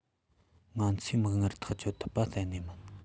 ང ཚོར མིག སྔར ཐག གཅོད ཐུབ པ གཏན ནས མིན